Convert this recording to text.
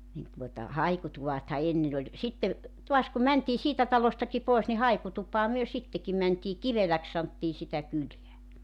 niin tuota haikutuvathan ennen oli sitten taas kun mentiin siitä talostakin pois niin haikutupaan me sittenkin mentiin Kiveläksi sanottiin sitä kylää